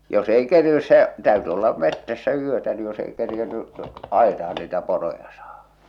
jos ei kerinnyt se täytyi olla metsässä yötä niin jos ei kerinnyt aitaan niitä poroja saada